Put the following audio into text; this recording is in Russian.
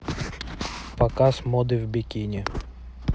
показ моды в бикини